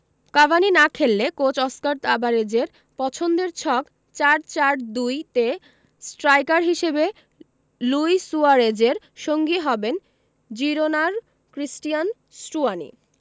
Cavani না খেললে coach Oscar তাবারেজের পছন্দের ছক ৪ ৪ ২ তে স্ট্রাইকার হিসেবে লুই সুয়ারেজের সঙ্গী হবেন জিরোনার ক্রিস্টিয়ান স্টুয়ানি